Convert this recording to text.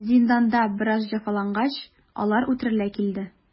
Зинданда бераз җәфалангач, алар үтерелә килде.